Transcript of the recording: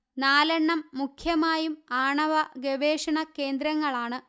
നാലെണ്ണം മുഖ്യമായും ആണവ ഗവേഷണ കേന്ദ്രങ്ങളാണ്